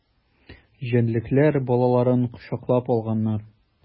Җәнлекләр балаларын кочаклап алганнар.